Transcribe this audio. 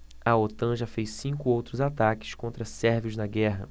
a otan já fez cinco outros ataques contra sérvios na guerra